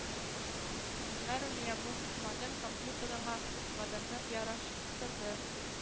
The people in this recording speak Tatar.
Мә румия бу "модем" компьютереңа модемны яраштырды